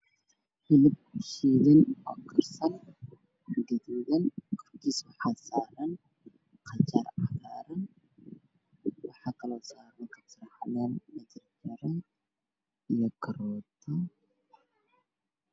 Hilib shidan oo karsan gaduudan waxaa saaran qajaar cagaaran waxaa kaloo saaran kabsare caleen iyo karoota